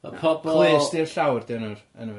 Fel pobol... Clust i'r llawr 'di enw yr enw yr...